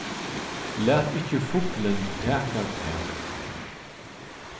lat ikki fuglin taka tað